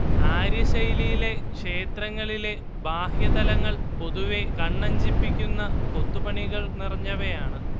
ആര്യശൈലിയിലെ ക്ഷേത്രങ്ങളിലെ ബാഹ്യതലങ്ങൾ പൊതുവെ കണ്ണഞ്ചിപ്പിക്കുന്ന കൊത്തുപണികൾ നിറഞ്ഞവയാണ്